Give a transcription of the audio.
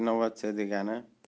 innovatsiya degani